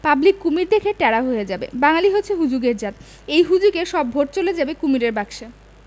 public কুমীর দেখে ট্যারা হয়ে যাবে বাঙ্গালী হচ্ছে হুজুগের জাত এই হুজুগে সব ভোট চলে যাবে কুমীরের বাক্সে